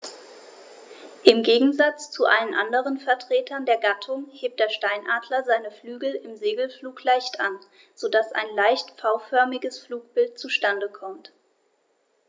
Im Gegensatz zu allen anderen Vertretern der Gattung hebt der Steinadler seine Flügel im Segelflug leicht an, so dass ein leicht V-förmiges Flugbild zustande kommt.